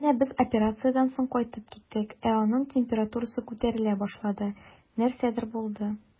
Һәм менә без операциядән соң кайтып киттек, ә аның температурасы күтәрелә башлады, нәрсәдер булды.